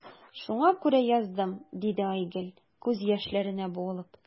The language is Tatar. Шуңа күрә яздым,– диде Айгөл, күз яшьләренә буылып.